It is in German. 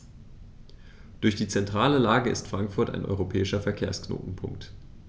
Durch die zentrale Lage ist Frankfurt ein europäischer Verkehrsknotenpunkt.